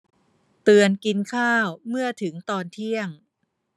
เตือนกินข้าวเมื่อถึงตอนเที่ยง